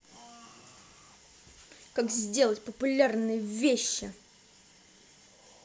как сделать популярные вещи